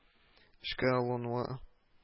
Эшкә алынуы